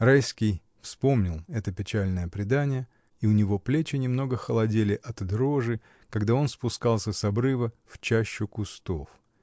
Райский вспомнил это печальное предание, и у него плечи немного холодели от дрожи, когда он спускался с обрыва в чащу кустов.